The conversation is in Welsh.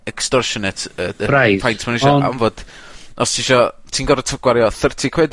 extortinate yy... Braidd, ond... ... am fod, os tiso... Ti'n gorfod t'o' gwario thirty quid